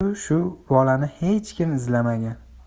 shu shu bolani xech kim izlamagan